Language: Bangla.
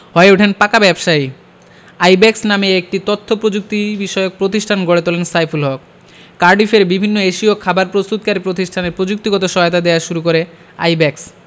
হয়ে ওঠেন পাকা ব্যবসায়ী আইব্যাকস নামে একটি তথ্যপ্রযুক্তিবিষয়ক প্রতিষ্ঠান গড়ে তোলেন সাইফুল হক কার্ডিফের বিভিন্ন এশীয় খাবার প্রস্তুতকারী প্রতিষ্ঠানে প্রযুক্তিগত সহায়তা দেওয়া শুরু করে আইব্যাকস